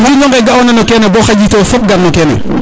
o njirño nge ga ona no ken bo xaƴ yite of fop o gar ten